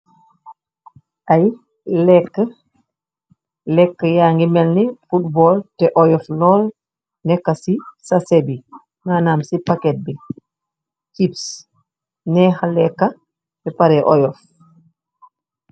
Ay lekk, lekka yangi mèlni football tè oyoff lol. Nekka ci sasè bi. Manam ci paket bi. Chips nèha lekka ba barè oyoff.